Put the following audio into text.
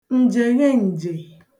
ǹjègheǹjè